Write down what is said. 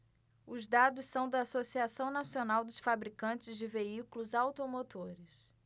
os dados são da anfavea associação nacional dos fabricantes de veículos automotores